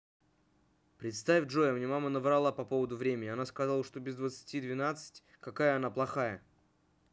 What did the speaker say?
представь джой а мне мама наврала по поводу времени она сказала что без двадцати двенадцать какая она плохая